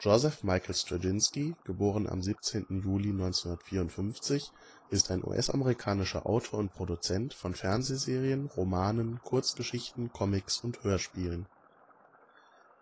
Joseph Michael Straczynski (* 17. Juli 1954) ist ein US-amerikanischer Autor/Produzent von Fernsehserien, Romanen, Kurzgeschichten, Comics und Hörspielen.